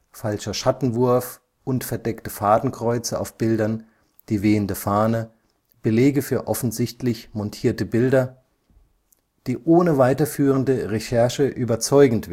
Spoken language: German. falscher Schattenwurf und verdeckte Fadenkreuze auf Bildern, die wehende Fahne, Belege für offensichtlich montierte Bilder), die ohne weiterführende Recherche überzeugend